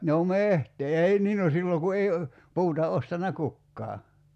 no metsää ei niin no silloin kun ei puuta ostanut kukaan